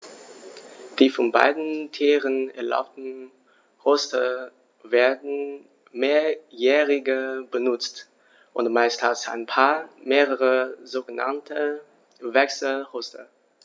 Die von beiden Tieren erbauten Horste werden mehrjährig benutzt, und meist hat ein Paar mehrere sogenannte Wechselhorste.